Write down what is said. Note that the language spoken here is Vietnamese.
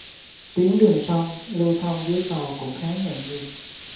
tuyến đường sông lưu thông dưới cầu cũng khá nhộn nhịp